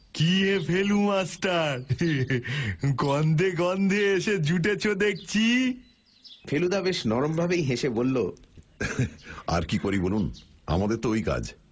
কী হে ফেলুমাস্টার গন্ধে গন্ধে এসে জুটেছ দেখছি ফেলুদা বেশ নরমভাবেই হেসে বলল আর কী করি বলুন আমাদের তো ওই কাজ